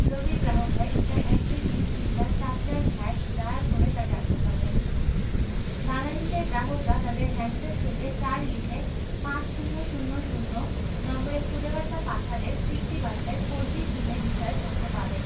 রবির গ্রাহকরা *১২৩*৪৪# ডায়াল করে তা জানতে পারবেন বাংলালিংকের গ্রাহকরা তাদের হ্যান্ডসেট থেকে ৪ লিখে পাঁচ শূণ্য শূণ্য শূণ্য নম্বরে খুদে বার্তা পাঠালে ফিরতি বার্তায় ফোরজি সিমের বিষয়ে তথ্য পাবেন